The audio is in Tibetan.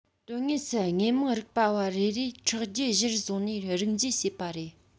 དོན དངོས སུ དངོས མང རིག པ བ རེ རེས ཁྲག རྒྱུད གཞིར བཟུང ནས རིགས འབྱེད བྱེད པ རེད